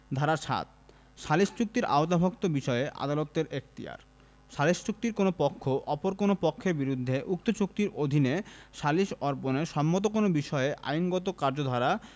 ধারা ৭ সালিস চুক্তির আওতাভুক্ত বিষয়ে আদালতের এখতিয়ারঃ সালিস চুক্তির কোন পক্ষ অপর কোন পক্ষের বিরুদ্ধে উক্ত চুক্তির অধীনৈ সালিস অর্পণে সম্মত কোন বিষয়ে আইনগত কার্যধারা